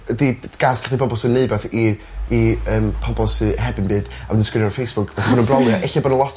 ydi d- gas 'da chdi pobol sy'n neud wbath i i yym pobol sy heb un byd am jys gweud e ar Facebook felly nw'n brolio. Ella bo' 'na lot